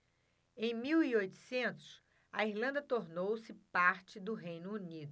em mil e oitocentos a irlanda tornou-se parte do reino unido